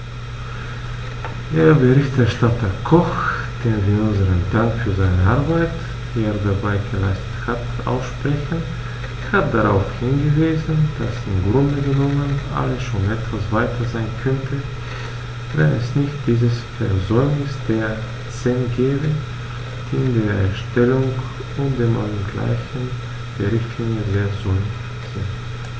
Der Berichterstatter Koch, dem wir unseren Dank für seine Arbeit, die er dabei geleistet hat, aussprechen, hat darauf hingewiesen, dass im Grunde genommen alles schon etwas weiter sein könnte, wenn es nicht dieses Versäumnis der CEN gäbe, die in der Erstellung und dem Angleichen der Richtlinie sehr säumig sind.